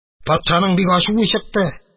Патшаның бик ачуы чыкты.